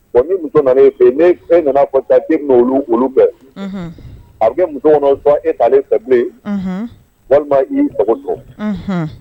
Wa ni muso nanalen fɛ yen ne fɛn nana fɔ da den olu olu bɛɛ a bɛ muso kɔnɔ e ta ale ta walima y'i tɔgɔtɔ